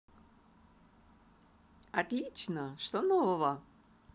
отлично что нового